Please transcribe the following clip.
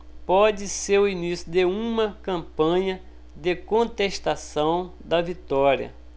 pode ser o início de uma campanha de contestação da vitória